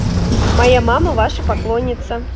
моя мама ваша поклонница